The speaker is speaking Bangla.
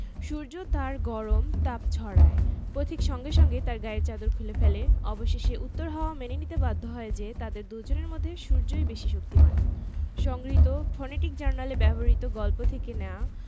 সূর্য তার গরম তাপ ছড়ায় পথিক সঙ্গে সঙ্গে তার গায়ের চাদর খুলে ফেলে অবশেষে উত্তর হাওয়া মেনে নিতে বাধ্য হয় যে তাদের দুজনের মধ্যে সূর্যই বেশি শক্তিমান সংগৃহীত ফনেটিক জার্নালে ব্যবহিত গল্প থেকে নেওয়া